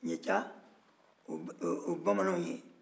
ɲica o ye bamananw ye